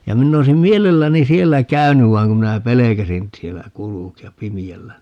ja minä olisin mielelläni siellä käynyt vaan kun minä pelkäsin siellä kulkea pimeällä